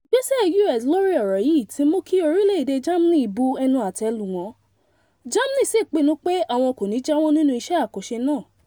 Ìgbésẹ̀ US lórí ọ̀rọ̀ yìí ti mú kí orílẹ̀èdè Germany bu ẹnu àtẹ́ lu wọ́n ,Germany sì pinnu pé àwọn kò ní jáwọ́ nínú iṣẹ́ àkànṣè náà.